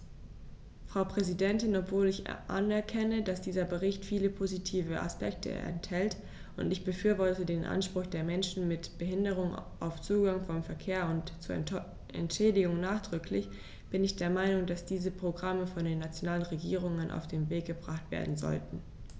Frau Präsidentin, obwohl ich anerkenne, dass dieser Bericht viele positive Aspekte enthält - und ich befürworte den Anspruch der Menschen mit Behinderung auf Zugang zum Verkehr und zu Entschädigung nachdrücklich -, bin ich der Meinung, dass diese Programme von den nationalen Regierungen auf den Weg gebracht werden sollten.